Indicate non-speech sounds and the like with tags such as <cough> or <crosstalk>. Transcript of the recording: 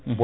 <hesitation> <hesitation>